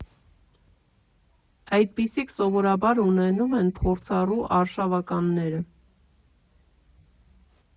Այդպիսիք սովորաբար ունենում են փորձառու արշավականները։